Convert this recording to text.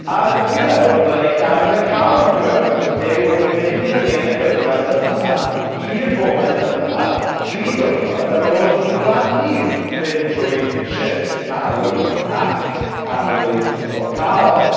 A dwi'n meddwl bod o'n eitha arwyddocaol mewn gwirionedd fod Duw wedi mynd â ni yn y gyfres yma, i'r foment yma, dri dwrnod ar ôl i’n gwlad ni fynd trwy shifft mawr ac arwyddocaol.